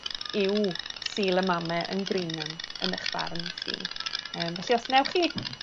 yw Sul y Mame yn Greenham, yn 'ych barn chi? Yym felly os newch chi